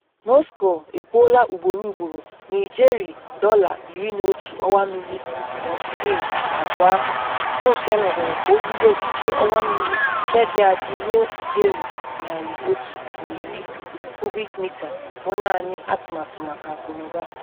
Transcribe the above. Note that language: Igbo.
Moscow ekwuola ugboro ugboro na ijeri $11 ọwa mmiri Nord Stream 2 ahụ, bụ nke emebere ka o bulie ike ọwa mmiri nke dị adị ruo ijeri 110 kubik mita, bụ naanị atụmatụ maka akụnụba.